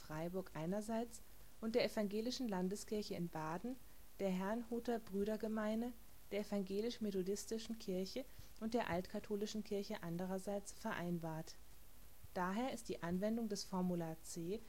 einerseits und der Evangelischen Landeskirche in Baden, der Herrnhuter Brüdergemeine, der Evangelisch-methodistischen Kirche und der Altkatholischen Kirche andererseits vereinbart. Daher ist die Anwendung des Formular C